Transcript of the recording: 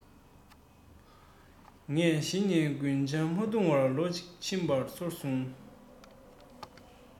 ངས གཞི ནས རྒུན ཆང མ འཐུང བར ལོ གཅིག ཕྱིན པ ཚོར བྱུང